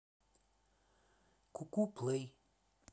куку плей